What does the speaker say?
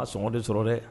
A sɔngɔ de sɔrɔ dɛ